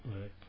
oui